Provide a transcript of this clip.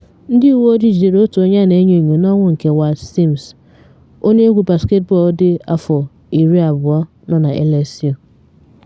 Ndị uwe ojii jidere otu onye a na enyo enyo n’ọnwụ nke Wayde Sims, onye egwu basketbọọlụ dị afọ 20 nọ na LSU.